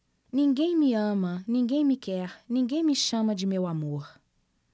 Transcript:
ninguém me ama ninguém me quer ninguém me chama de meu amor